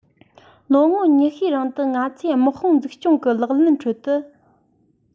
ལོ ཉི ཤུའི རིང དུ ང ཚོས དམག དཔུང འཛུགས སྐྱོང གི ལག ལེན ཁྲོད དུ